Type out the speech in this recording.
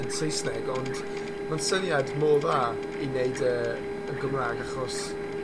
yn Saesneg, ond mae'n syniad mor dda i neud e yn Gymrag achos,